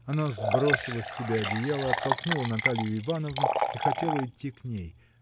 Она сбросила с себя одеяло, оттолкнула Наталью Ивановну и хотела идти к ней.